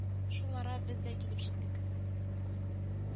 Шул ара бездз килеп җиттек